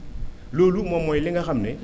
loolu moom mooy li nga xam ne